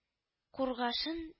Кургашын